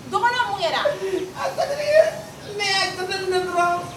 Dɔgɔnɔ mun ŋɛra ne a ye tasa minɛ dɔrɔɔn